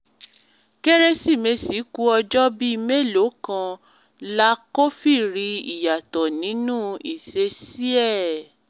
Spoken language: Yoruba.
”Kérésìmesì ku ọjọ́ bíi mélòó kan la kófìrí ìyàtọ̀ nínú ìṣesí ẹ̀.